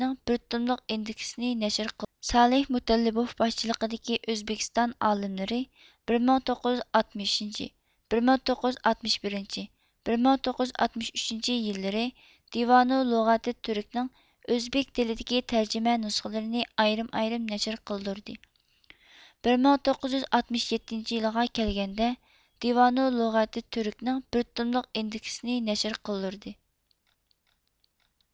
سالىھ مۇتەللىبوۋ باشچىلىقىدىكى ئۆزبېكىستان ئالىملىرى بىر مىڭ توققۇز يۈز ئاتمىشىنچى بىر مىڭ توققۇز يۈز ئاتمىش بىرىنچى بىر مىڭ توققۇز يۈز ئاتمىش ئۈچىنچى يىللىرى دىۋانۇ لۇغاتىت تۈرك نىڭ ئۆزبېك تىلىدىكى تەرجىمە نۇسخىلىرىنى ئايرىم ئايرىم نەشر قىلدۇردى بىر مىڭ توققۇز يۈز ئاتمىش يەتتىنچى يىلىغا كەلگەندە دىۋانۇ لۇغاتىت تۈرك نىڭ بىر توملۇق ئىندېكسنى نەشر قىلدۇردى